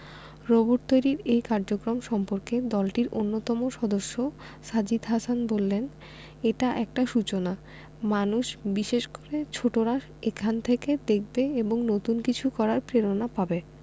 robot তৈরির এ কার্যক্রম সম্পর্কে দলটির অন্যতম সদস্য সাজিদ হাসান বললেন এটা একটা সূচনা মানুষ বিশেষ করে ছোটরা এখান থেকে দেখবে এবং নতুন কিছু করার প্রেরণা পাবে